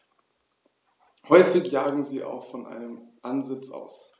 Häufig jagen sie auch von einem Ansitz aus.